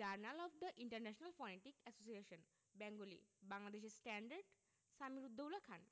journal of the international phonetic association Bengali Bangladeshi standard Samir ud Daula Khan